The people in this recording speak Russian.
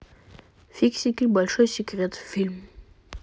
фиксики большой секрет фильм